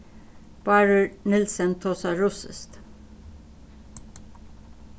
bárður nielsen tosar russiskt